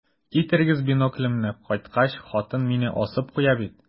Китерегез биноклемне, кайткач, хатын мине асып куя бит.